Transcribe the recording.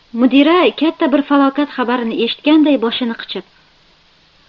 mudira katta bir falokat xabarini eshitganday boshini qichib